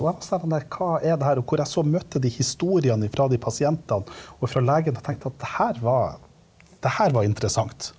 og hva er det her og hvor jeg så møtte de historiene ifra de pasientene og ifra legen og tenkte at det her var det her var interessant.